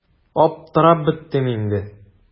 Аптырап беттем инде.